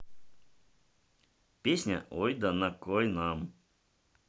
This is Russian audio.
песня ой да на кой нам